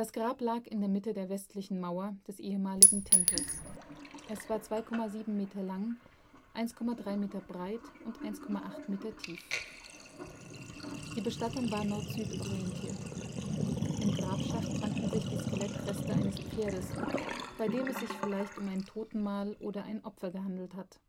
Grab lag in der Mitte der westlichen Mauer des ehemaligen Tempels. Es war 2,7 m lang, 1,3 m breit und 1,8 m tief. Die Bestattung war Nordsüd orientiert. Im Grabschacht fanden sich die Skelettreste eines Pferdes, bei dem es sich vielleicht um ein Totenmahl oder ein Opfer gehandelt hat